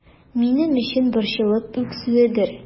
Минем өчен борчылып үксүедер...